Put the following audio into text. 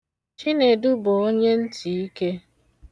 Chinedu bụ onye ntịike.